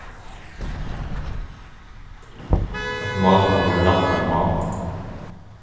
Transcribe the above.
eitt mál kann vera rættarmál